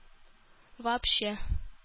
Вообще